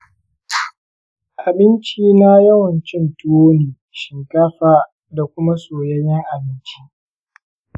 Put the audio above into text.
abinci na yawanci tuwo ne, shinkafa, da kuma soyayyan abinci.